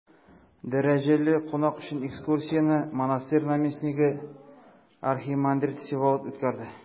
Дәрәҗәле кунак өчен экскурсияне монастырь наместнигы архимандрит Всеволод үткәрде.